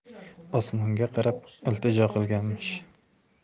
osmonga qarab iltijo qilganmish